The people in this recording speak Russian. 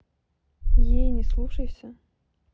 ей не слушайся